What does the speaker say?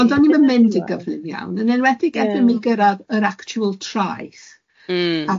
Ond o'n ni'm yn mynd yn gyflym iawn, yn enwedig... Ie. ...erbyn mi gyrraedd yr actual traeth. M-hm.